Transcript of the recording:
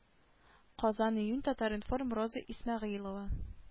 Казан июнь татар-информ роза исмәгыйлова